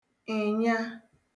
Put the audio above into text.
ị̀nya